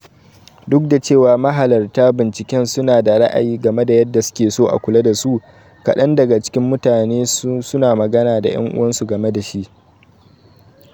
Duk da cewa mahalarta binciken su na da ra'ayi game da yadda suke so a kula da su, kadan daga cikin mutane su na magana da' yan uwansu game da shi.